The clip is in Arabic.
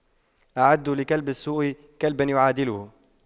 أعدّوا لكلب السوء كلبا يعادله